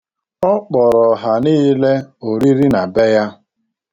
Ọ kpọrọ ọha niile oriri na be ya.